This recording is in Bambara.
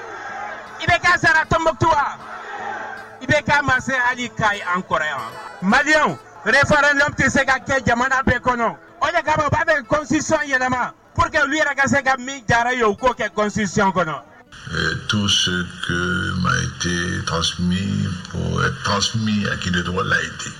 I bɛ katomɔtu wa i bɛ ka ma se ali k ka ye an kɔrɔ yan mariarefa tɛ se ka cɛ jamana bɛɛ kɔnɔ o kababa bɛsisi yɛlɛmama u yɛrɛ ka se ka diyara ye u k'o kɛ gsisi kɔnɔ tun se mayi tasumas a hakili tɔgɔ layi ten